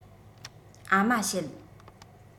ཨ མ བྱེད